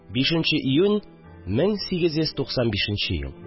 5 нче июнь, 1895 ел